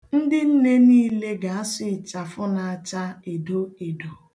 Ndị nne niile ga-asụ ịchafụ na-acha edo edo.